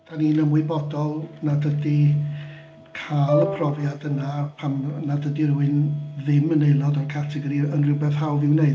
Dan ni'n ymwybodol nad ydy cael y profiad yna pan nad ydy rhywun ddim yn aelod o'r categori yn rywbeth hawdd i'w wneud.